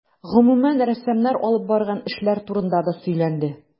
Гомүмән, рәссамнар алып барган эшләр турында да сөйләнде.